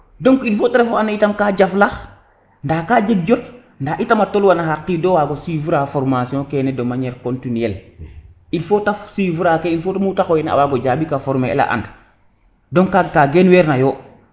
donc il te ref oxa ando naye ka jaflax nda ka jeg jot nda itam a tolwa xa qido a wago suivre a formation kene de maniere continuel il faut te suivre a pour mute xoyena a wago jambik a former el a and donc kaga ka geen weer nayo